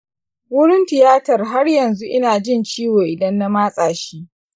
wurin tiyatar har yanzu ina jin ciwo idan na matsa shi.